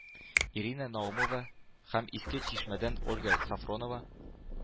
Ирина Наумова һәм Иске Чишмәдән Ольга Сафронова